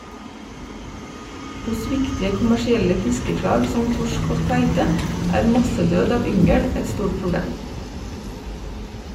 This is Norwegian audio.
Hos viktige kommersielle fiskeslag som torsk og kveite er massedød av yngel et stort problem.